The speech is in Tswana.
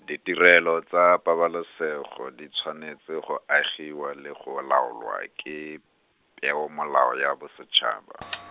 ditirelo tsa pabalesego di tshwanetse go agiwa le go laolwa ke, Peomolao ya bosetšhaba.